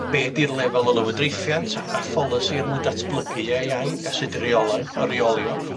Be' ydi'r lefel o lywodraethiant a a pholisi er mwyn datblygu Ay I, a sud y reolau o reoli o